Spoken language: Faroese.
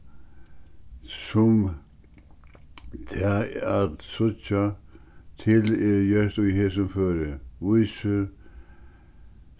sum tað at síggja til er gjørt í hesum føri vísir